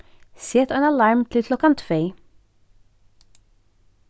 set ein alarm til klokkan tvey